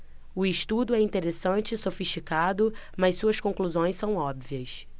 o estudo é interessante e sofisticado mas suas conclusões são óbvias